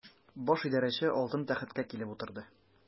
Баш идарәче алтын тәхеткә килеп утырды.